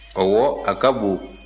ɔwɔ a ka bon